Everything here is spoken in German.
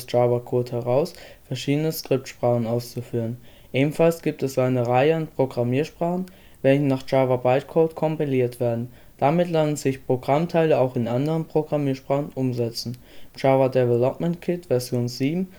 Java-Code heraus verschiedene Skriptsprachen auszuführen. Ebenfalls gibt es eine Reihe an Programmiersprachen, welche nach Java Bytecode kompiliert werden. Damit lassen sich Programmteile auch in anderen Programmiersprachen umsetzen. Im JDK Version 7